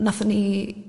nathon ni